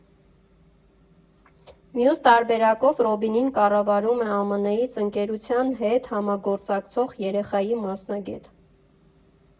Մյուս տարբերակով Ռոբինին կառավարում է ԱՄՆ֊ից ընկերության հետ համագործակցող երեխայի մասնագետ։